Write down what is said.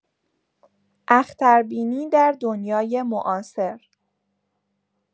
اختربینی در دنیای معاصر